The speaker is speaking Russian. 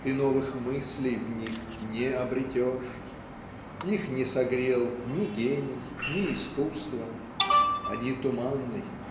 Ты новых мыслей в них не обретешь. Их не согрел ни гений ни искусство Они туманной